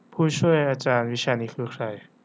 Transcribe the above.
ผู้ช่วยอาจารย์วิชานี้คือใคร